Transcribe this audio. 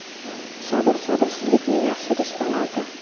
sabr sabrsizlikni yashirish san'ati